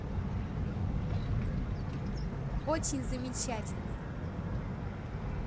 очень замечательно